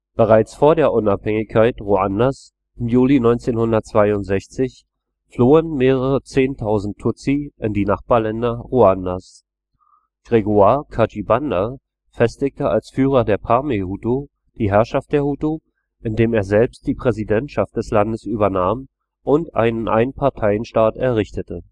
Bereits vor der Unabhängigkeit Ruandas im Juli 1962 flohen mehrere Zehntausend Tutsi in die Nachbarländer Ruandas. Grégoire Kayibanda festigte als Führer der Parmehutu die Herrschaft der Hutu, indem er selbst die Präsidentschaft des Landes übernahm und einen Einparteienstaat errichtete